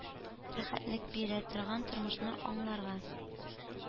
Рәхәтлек бирә торган, тормышны аңларга,